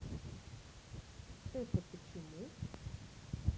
это почему